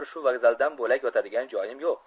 shu vokzaldan bo'lak yotadigan joyim yo'q